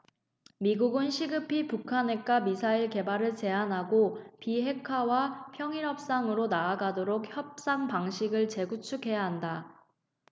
미국은 시급히 북한 핵과 미사일 개발을 제한하고 비핵화와 평화협정으로 나아가도록 협상 방식을 재구축해야 한다